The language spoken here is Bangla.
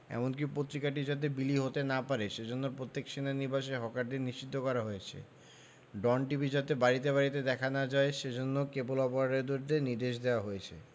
এমনকি পত্রিকাটি যাতে বিলি করতে না পারে সেজন্যে প্রত্যেক সেনানিবাসে হকারদের নিষিদ্ধ করা হয়েছে ডন টিভি যাতে বাড়িতে বাড়িতে দেখা না যায় সেজন্যে কেবল অপারেটরদের নির্দেশ দেওয়া হয়েছে